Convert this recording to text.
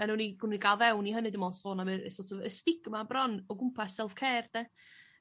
A newn ni gown ni ga'l fewn i hynny dwi'n me'wl sôn am y so't of y stigma bron o gwmpas self care 'de?